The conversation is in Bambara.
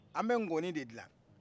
an bɛ ŋɔni de dilan